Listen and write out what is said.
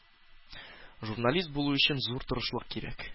Журналист булу өчен зур тырышлык кирәк.